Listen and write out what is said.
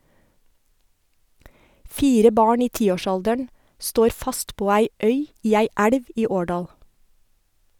Fire barn i tiårsalderen står fast på ei øy i ei elv i Årdal.